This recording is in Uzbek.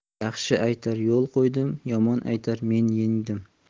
yaxshi aytar yo'l qo'ydim yomon aytar men yengdim